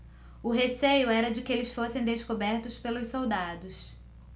o receio era de que eles fossem descobertos pelos soldados